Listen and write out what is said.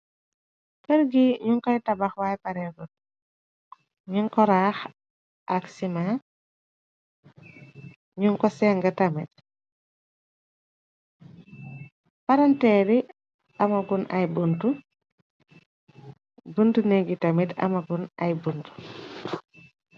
Keër gi ñuñ koy tabax waay pareegul ñuñ ko raax. Ak sima bunt nengi tamit amagun ay bunt.